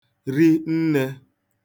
ri nnē